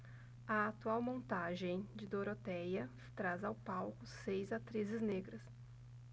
a atual montagem de dorotéia traz ao palco seis atrizes negras